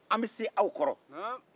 anw bɛ se aw kɔrɔ